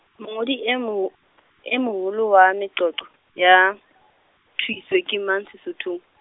mongodi e moho- , e moholo wa meqoqo ya , thuiso ke mang Sesothong?